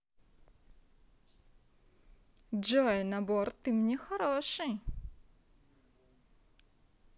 джой набор ты мне хороший